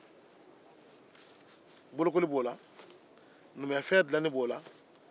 bolokoli b'o la numuyafɛn dilali b'o la